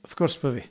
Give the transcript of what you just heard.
Wrth gwrs bo' fi.